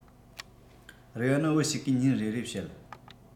རེ བ ནི བུ ཞིག གིས ཉིན རེ རེ བཤད